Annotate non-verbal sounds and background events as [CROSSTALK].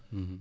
[HESITATION] [HESITATION]